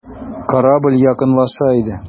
Корабль якынлаша иде.